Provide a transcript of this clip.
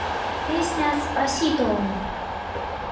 песня спасито